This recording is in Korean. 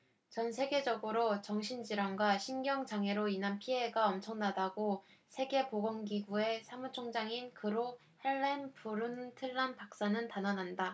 전 세계적으로 정신 질환과 신경 장애로 인한 피해가 엄청나다고 세계 보건 기구의 사무총장인 그로 할렘 브룬틀란 박사는 단언한다